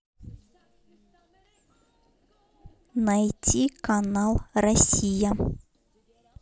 найти канал россия